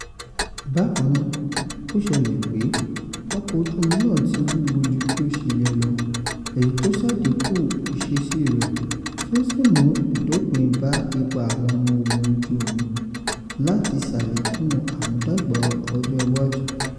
Bákan náà, ó ṣelẹ̀ pé ọkọ̀ ojú omi náà ti wúwo ju bí ó ṣe yẹ lọ èyí tí ó ṣàdínkù ìṣesí rẹ̀ tí ó sì mú ìdópín bá ìpa Àwọn ọmọ ogun ojú omi láti ṣàlékún àmúdágbà ọjọ́ iwájú.